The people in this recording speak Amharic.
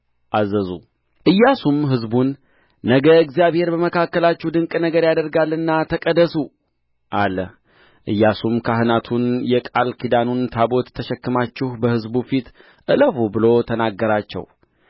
አዘዙ ኢያሱም ሕዝቡን ነገ እግዚአብሔር በመካከላችሁ ድንቅ ነገር ያደርጋልና ተቀደሱ አለ ኢያሱም ካህናቱን የቃል ኪዳኑን ታቦት ተሸክማችሁ በሕዝቡ ፊት እለፉ ብሎ ተናገራቸው